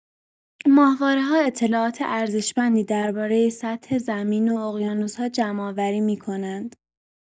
ماهواره‌ها اطلاعات ارزشمندی درباره سطح زمین و اقیانوس‌ها جمع‌آوری می‌کنند.